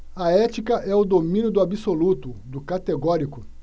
a ética é o domínio do absoluto do categórico